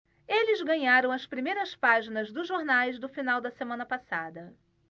eles ganharam as primeiras páginas dos jornais do final da semana passada